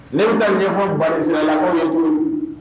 Ne bɛ taa nin ɲɛfɔ Banisiralakaw ye cogo di